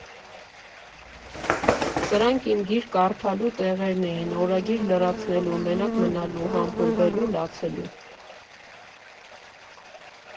Սրանք իմ գիրք կարդալու տեղերն էին, օրագիր լրացնելու, մենակ մնալու, համբուրվելու, լացելու։